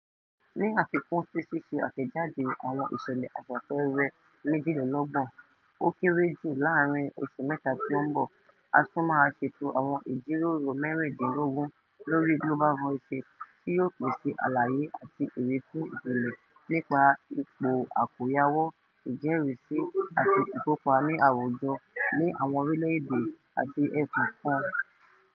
Ní àfikún sí ṣíṣe àtẹ̀jáde àwọn ìṣẹ̀lẹ̀ aṣàpẹẹrẹ 32 ó kéré jù láàárín oṣù mẹ́ta tí ó ń bọ̀, a tún máa ṣètò àwọn ìjíròrò 16 lórí Global Voices tí yóò pèsè àlàyé àti ìwífún ìpìlẹ̀ nípa ipò àkòyawọ́, ìjẹ́rìísí àti ìkópa ní àwùjọ ní àwọn orílẹ̀-èdè àti ẹkùn kan.